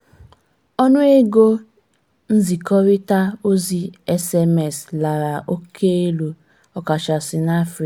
Ọnụego nzikọrịta ozi SMS lara oke elu, ọkachasị n'Africa.